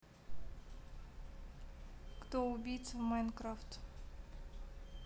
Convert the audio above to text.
кто убийца в minecraft